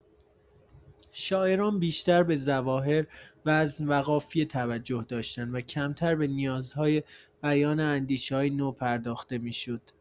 شاعران بیشتر به ظواهر وزن و قافیه توجه داشتند و کمتر به نیازهای بیان اندیشه‌های نو پرداخته می‌شد.